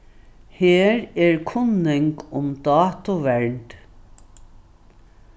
her er kunning um dátuvernd